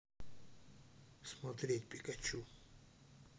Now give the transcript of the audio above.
смотреть пикачу